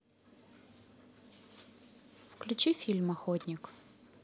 включи фильм охотник